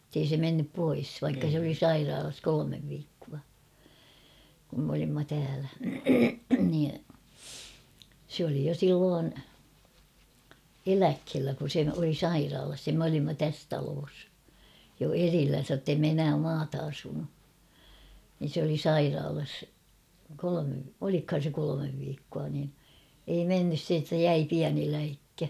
että ei se mennyt pois vaikka se oli sairaalassa kolme viikkoa kun me olimme täällä niin se oli jo silloin eläkkeellä kun se oli sairaalassa ja me olimme tässä talossa jo erillänsä että ei me enää maata asunut niin se oli sairaalassa kolme olikohan se kolme viikkoa niin ei mennyt se että jäi pieni läikkä